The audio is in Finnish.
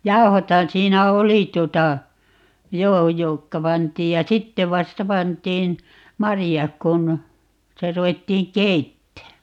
jauhothan siinä oli tuota joo jotka pantiin ja sitten vasta pantiin marjat kun sitä ruvettiin keittämään